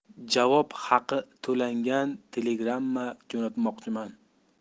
javob haqi to'langan telegramma jo'natmoqchiman